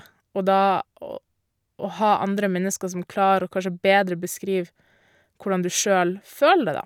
Og da å å ha andre mennesker som klarer å kanskje bedre beskrive hvordan du sjøl føler det, da.